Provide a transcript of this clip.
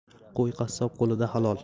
qo'y qassob qo'lida halol